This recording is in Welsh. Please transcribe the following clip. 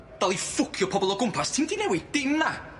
Dal i ffwcio pobol o gwmpas ti'm di newid dim na.